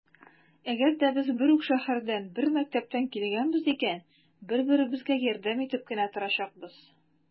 Әгәр дә без бер үк шәһәрдән, бер мәктәптән килгәнбез икән, бер-беребезгә ярдәм итеп кенә торачакбыз.